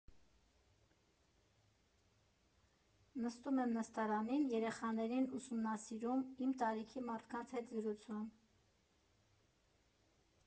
Նստում եմ նստարանին, երեխաներին ուսումնասիրում, իմ տարիքի մարդկանց հետ զրուցում։